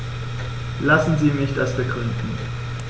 Lassen Sie mich das begründen.